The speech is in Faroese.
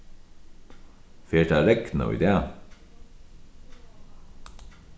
fer tað at regna í dag